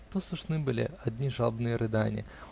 то слышны были одни жалобные рыдания.